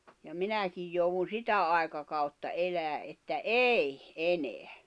ja minäkin joudun sitä aikakautta elämään että ei enää